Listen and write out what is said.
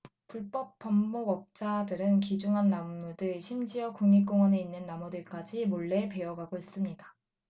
불법 벌목업자들은 귀중한 나무들 심지어 국립공원에 있는 나무들까지 몰래 베어 가고 있습니다